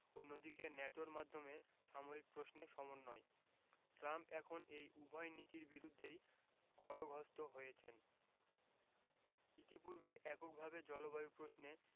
অন্যদিকে ন্যাটোর মাধ্যমে সামরিক প্রশ্নে সমন্বয় ট্রাম্প এখন এই উভয় নীতির বিরুদ্ধেই খড়গহস্ত হয়েছেন ইতিপূর্বে এককভাবে জলবায়ু প্রশ্নে